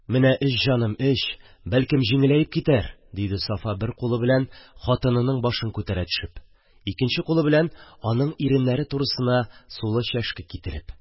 – менә эч, җаным, эч, бәлкем җиңеләеп китәр! – ди сафа, бер кулы белән хатынының башын күтәрә төшеп, икенче кулы белән аның иреннәре турысына сулы чәшке китерә.